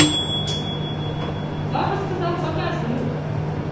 папа сказал пока салют